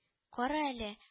– кара әле